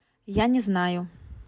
я не знаю